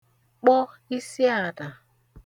kpọ isiana